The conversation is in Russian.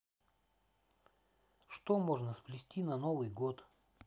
что можно сплести на новый год